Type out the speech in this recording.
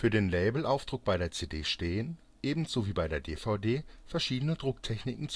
den Labelaufdruck bei der CD stehen, ebenso wie bei der DVD, verschiedene Drucktechniken